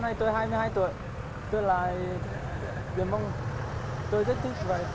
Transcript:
nay tôi hai mươi hai tuổi tôi là người mông tôi rất